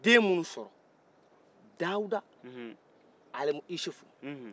u ye deminun sɔrɔ dawuda alimusufu